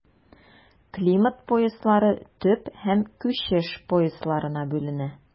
Климат пояслары төп һәм күчеш поясларына бүленә.